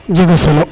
a jega solo